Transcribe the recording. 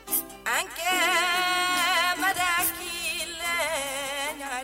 ' tile ma k'i tile